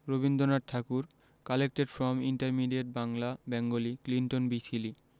Rabindranath Thakur collected from intermediate Bangla Bengali Clinton B Seely